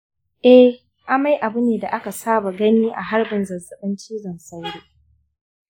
ee, amai abu ne da aka saba gani a harbin zazzabin cizon sauro.